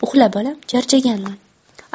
uxla bolam charchaganman